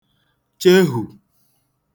chehwù